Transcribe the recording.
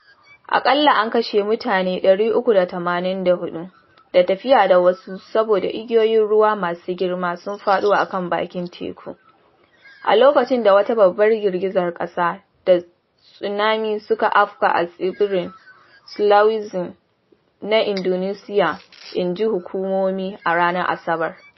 Aƙalla an kashe mutane 384, da tafiya da wasu saboda igiyoyin ruwa masu girma sun faɗo a kan bakin teku, a loƙacin da wata babbar girgizar ƙasa da tsunami suka afka a tsibirin Sulawesi na Indonesiya, injin hukumomi a ranar Asabar.